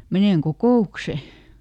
menen kokoukseen